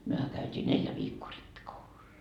mehän käytiin neljä viikkoa rippikoulussa